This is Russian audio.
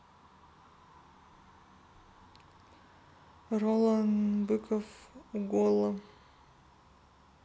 ролан быков уголо